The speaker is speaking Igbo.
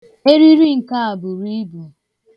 Eriri nke a buru ibu.